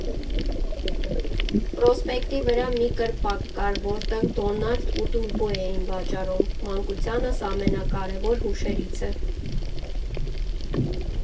Պրոսպեկտի վրա մի կրպակ կար, որտեղ «դոնալդ» ու «տուրբո» էին վաճառում՝ մանկությանս ամենակարևոր հուշերից է։